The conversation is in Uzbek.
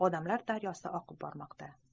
odamlar daryosi oqib bormoqda